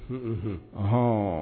Un un un ɔnhɔn